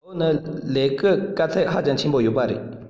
མོའི ནི ལས ཀའི དཀའ ཚེགས ཧ ཅང ཆེན པོ ཡོད པ རེད